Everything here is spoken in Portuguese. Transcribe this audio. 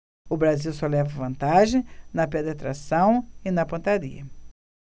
o brasil só leva vantagem na penetração e na pontaria